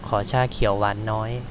ขอชาเขียวหวานน้อย